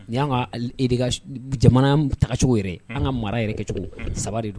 Ni y' ka jamana tagacogo yɛrɛ an ka mara yɛrɛ kɛcogo saba de don